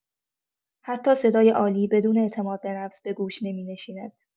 حتی صدای عالی، بدون اعتمادبه‌نفس، به گوش نمی‌نشیند.